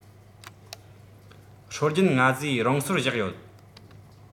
སྲོལ རྒྱུན སྔ ཟས རང སོར བཞག ཡོད